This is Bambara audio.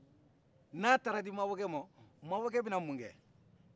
n'a taara di mabɔkɛ ma mabɔkɛ bɛna munkɛ